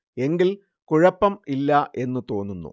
എങ്കിൽ കുഴപ്പം ഇല്ല എന്നു തോന്നുന്നു